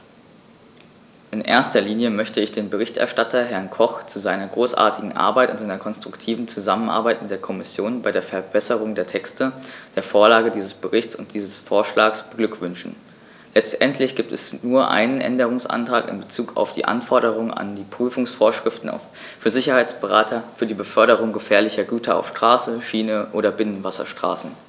In erster Linie möchte ich den Berichterstatter, Herrn Koch, zu seiner großartigen Arbeit und seiner konstruktiven Zusammenarbeit mit der Kommission bei der Verbesserung der Texte, der Vorlage dieses Berichts und dieses Vorschlags beglückwünschen; letztendlich gibt es nur einen Änderungsantrag in bezug auf die Anforderungen an die Prüfungsvorschriften für Sicherheitsberater für die Beförderung gefährlicher Güter auf Straße, Schiene oder Binnenwasserstraßen.